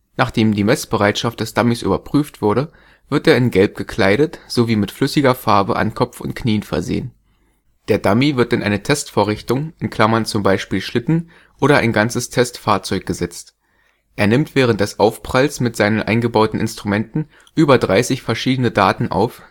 Nachdem die Messbereitschaft des Dummies überprüft wurde, wird er in gelb gekleidet, sowie mit flüssiger Farbe an Kopf und Knien versehen. Der Dummy wird in eine Testvorrichtung (z.B. Schlitten) oder ein ganzes Testfahrzeug gesetzt. Er nimmt während des Aufpralls mit seinen eingebauten Instrumenten über 30 verschiedene Daten auf